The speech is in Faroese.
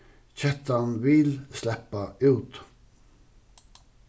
kettan vil sleppa út